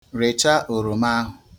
Rechaa oroma ahu!